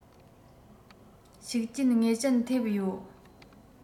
ཤུགས རྐྱེན ངེས ཅན ཐེབས ཡོད